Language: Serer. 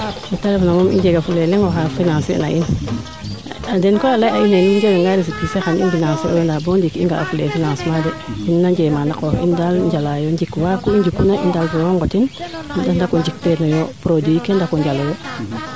meete refna moo i njaga fule leŋ oxa financé na in den koyt a ley'a yee i njega nga récipicé xan i financer eloyo ndaa bo ndiik i nga'a fule financement de in way njema na qoox in daal njala yo njikwa kuu i njukana i ndalfooxo ngotin ndako njik teenoyo produit ke ndako njalo yo